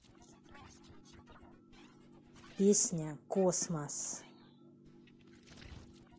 песня космос